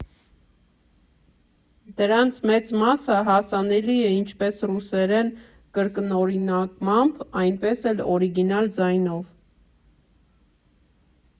Դրանց մեծ մասը հասանելի է ինչպես ռուսերեն կրկնօրինակմամբ, այնպես էլ օրիգինալ ձայնով։